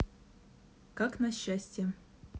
как на счастье